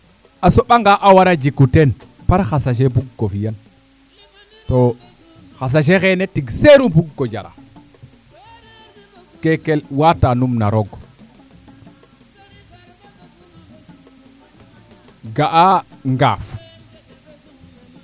a soɓa nga a wara jiku teen par xa sachet bukoko fiyan to xa sachet xeene tig seeru bukoko jara keke waata num na roog ga'a ngaaf